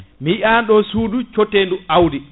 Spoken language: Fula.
mi yi ani ɗo suudu cottedu awdi